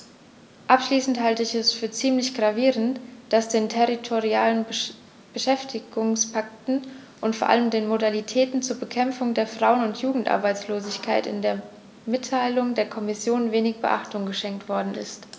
Abschließend halte ich es für ziemlich gravierend, dass den territorialen Beschäftigungspakten und vor allem den Modalitäten zur Bekämpfung der Frauen- und Jugendarbeitslosigkeit in der Mitteilung der Kommission wenig Beachtung geschenkt worden ist.